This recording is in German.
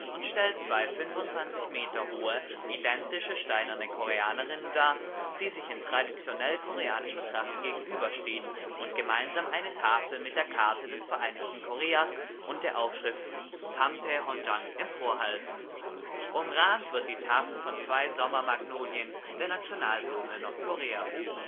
und stellt zwei 25 Meter hohe identische steinerne Koreanerinnen dar, die sich in traditionell-koreanischer Tracht gegenüberstehen und gemeinsam eine Tafel mit der Karte des vereinigten Koreas und der Aufschrift 3대헌장 emporhalten. Umrahmt wird die Tafel von zwei Sommer-Magnolien, der Nationalblume Nordkoreas